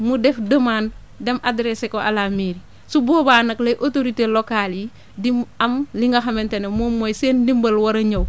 mu def demande dem adressé ko à la mairie su boobaa nag la autorité locale yi di am li nga xamante ne moom mooy seen ndimbal war a ñëw